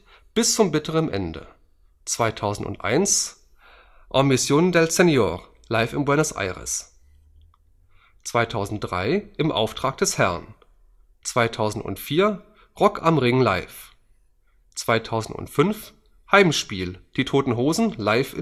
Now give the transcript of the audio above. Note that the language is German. Bis zum bitteren Ende, CD 2001: En misión del señor – Live in Buenos Aires, DVD 2003: Im Auftrag des Herrn, Doppel-DVD 2004: Rock am Ring Live, DVD 2005: Heimspiel! Die Toten Hosen Live